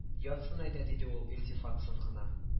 Ятсын әйдә диде ул илтифатсыз гына